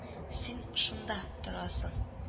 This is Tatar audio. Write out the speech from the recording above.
Син шунда торасың